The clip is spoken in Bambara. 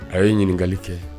A' ye ɲininkakali kɛ